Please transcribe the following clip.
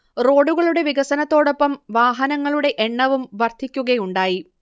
റോഡുകളുടെ വികസനത്തോടൊപ്പം വാഹനങ്ങളുടെ എണ്ണവും വർധിക്കുകയുണ്ടായി